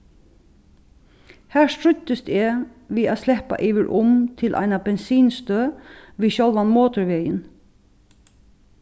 har stríddist eg við at sleppa yvir um til eina bensinstøð við sjálvan motorvegin